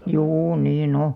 juu niin on